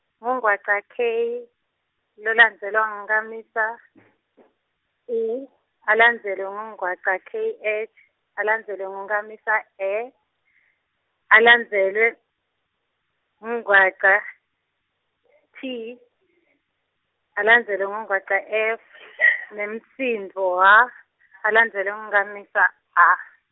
ingwaca K lolandzelwa ngamisa U, alandzelwe ngungwaca K H, alandzelwe ngunkamisa E alandzelwe ngungwaca T, alandzelwe ngungwaca F , nemsindvo H, alandzelwe ngunkhamisa A.